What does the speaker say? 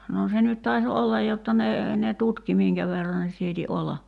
no se nyt taisi olla jotta ne ne tutki minkä verran ne sieti olla